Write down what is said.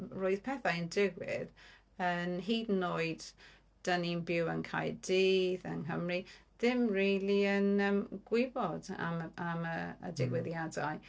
Roedd pethau'n digwydd yn hyd yn oed dan ni'n byw yn Caerdydd, yng Nghymru, ddim rili yn yym gwybod am y am y digwyddiadau.